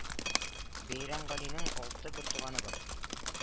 Бәйрәмгалинең алты бертуганы бар